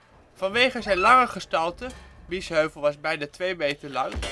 Vanwege zijn lange gestalte (Biesheuvel was bijna twee meter lang